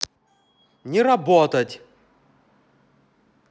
не работать